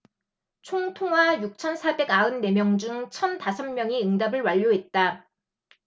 총 통화 육천 사백 아흔 네 명 중 천 다섯 명이 응답을 완료했다